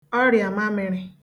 ọrịàmamịrị